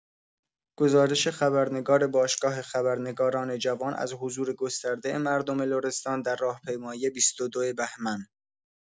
گزارش خبرنگار باشگاه خبرنگاران جوان از حضور گسترده مردم لرستان در راهپیمایی ۲۲ بهمن